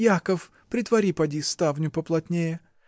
Яков, притвори поди ставню поплотнее.